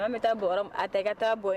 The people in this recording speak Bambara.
Bɛ taa bɔ a tɛ ka taa bɔ